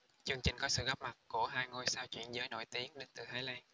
chương trình có sự góp mặt của hai ngôi sao chuyển giới nổi tiếng đến từ thái lan